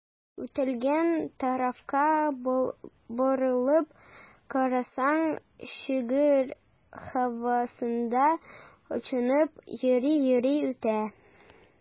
Үтелгән тарафка борылып карасаң, шигырь һавасында очынып йөри-йөри үтә.